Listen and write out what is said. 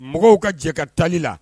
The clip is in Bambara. Mɔgɔw ka jɛ ka taali la